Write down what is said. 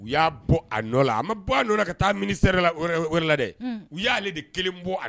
U y'a bɔ a nɔ la a ma bɔ a don ka taa mini la dɛ u y'aale de kelen bɔ